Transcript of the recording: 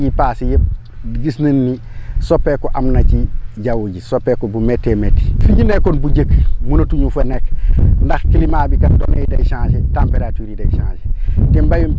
fukki at yii passée yëpp gis nañ ni soppeeku am na ci jaww ji soppeeku bu méttee métti fi ñu nekkoon bu njëkk mënatuñu fa nekk ndax climat bi kat données yi day changé température yi day changé